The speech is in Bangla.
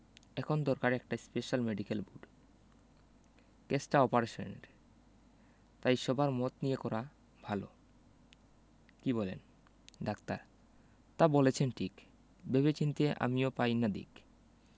এখন দরকার একটা স্পেশাল মেডিকেল বোর্ড কেসটা অপারেশনের তাই সবার মত নিয়েই করা ভালো কি বলেন ডাক্তার তা বলেছেন ঠিক ভেবে চিন্তে আমিও পাই না দিক